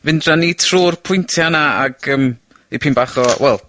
fynd dra ni trw'r pwyntia' 'na ag yym, ipyn bach o, wel